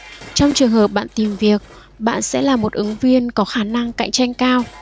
trong trường hợp bạn tìm việc bạn sẽ là một ứng viên có khả năng cạnh tranh cao